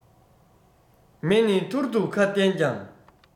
མེ ནི ཐུར དུ ཁ བསྟན ཀྱང